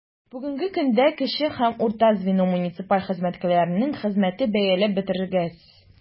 Бүгенге көндә кече һәм урта звено муниципаль хезмәткәрләренең хезмәте бәяләп бетергесез.